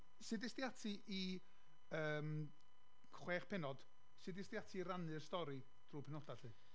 Sut es di ati i yym chwech pennod, sut es di ati i rannu'r stori drwy'r penodau 'lly?